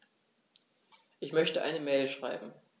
Ich möchte eine Mail schreiben.